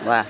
waaw